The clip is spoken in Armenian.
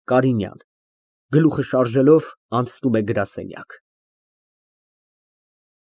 ԿԱՐԻՆՅԱՆ ֊ (Գլուխը շարժելով անցնում է գրասենյակ)։